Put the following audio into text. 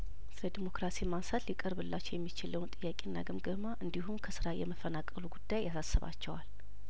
ስለዲሞክራሲ ማንሳት ሊቀርብላቸው የሚችለውን ጥያቄና ግምገማ እንዲሁም ከስራ የመፈናቀሉ ጉዳይ ያሳስባቸዋል